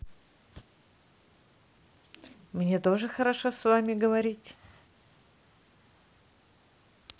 мне тоже хорошо с вами говорить